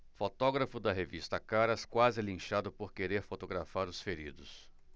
fotógrafo da revista caras quase é linchado por querer fotografar os feridos